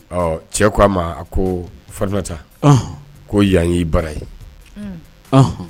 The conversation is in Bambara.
Ɔ cɛ ko a ma ko farata ko yan y ye bara ye